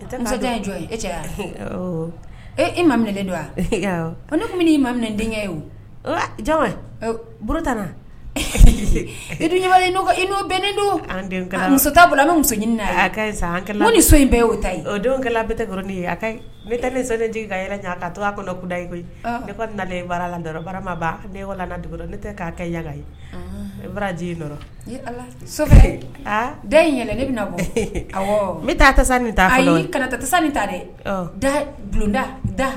E malen don wa ne tun' maminɛ denkɛ ye jɔn i n'onen don muso' bolo an bɛ muso ɲini ni so in bɛɛ'o ta tɛ ye sa ka yɛlɛ to kuda koyi ne la barama ne' kɛga bara den yɛlɛ ne bɛ n taa ta ni tasa ni ta dɛ da bulonda da